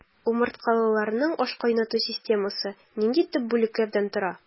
Умырткалыларның ашкайнату системасы нинди төп бүлекләрдән тора?